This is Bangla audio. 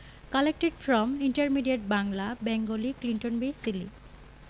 collected from intermediate Bangla Bengali Clinton B Seely